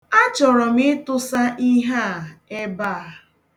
Achọrọ m ịtụsa ihe a ebe a.